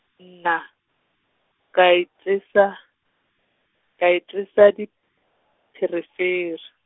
nna, ka itesa, ka itesa dipherefere.